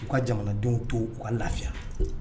U ka jamanadenw to u ka lafiya